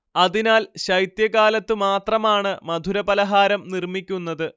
അതിനാൽ ശൈത്യകാലത്തു മാത്രമാണ് മധുരപലഹാരം നിർമ്മിക്കുന്നത്